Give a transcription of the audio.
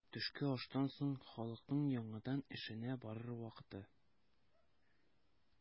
Төшке аштан соң халыкның яңадан эшенә барыр вакыты.